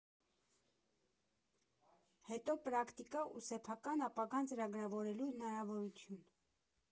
Հետո՝ պրակտիկա ու սեփական ապագան ծրագրավորելու հնարավորություն։